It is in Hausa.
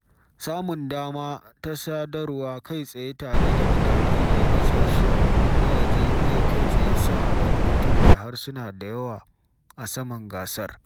Samun dama ta sadarwa kai tsaye tare da mutane daga ƙasashe na waje zai kai tsaye sa wani mutum mai harsuna da yawa a saman gasar.